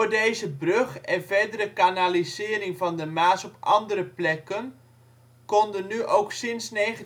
deze brug en verdere kanalisering van de Maas op ander plekken konden nu ook sinds 1927